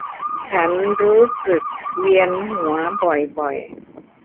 ฉันรู้สึกเวียนหัวบ่อยบ่อย